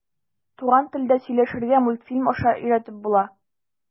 Туган телдә сөйләшергә мультфильм аша өйрәтеп була.